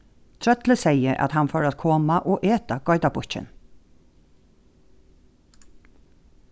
trøllið segði at hann fór at koma og eta geitarbukkin